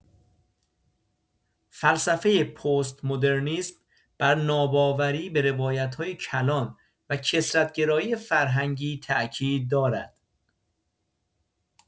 فلسفه پست‌مدرنیسم بر ناباوری به روایت‌های کلان و کثرت‌گرایی فرهنگی تاکید دارد.